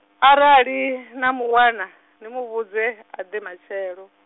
arali na mu wana, ni muvhudze, ade matshelo.